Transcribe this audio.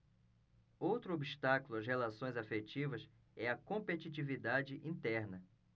outro obstáculo às relações afetivas é a competitividade interna